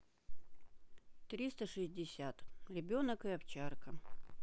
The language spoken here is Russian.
триста шестьдесят ребенок и овчарка